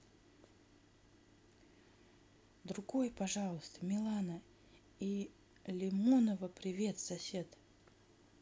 другой пожалуйста milano и лимонова привет сосед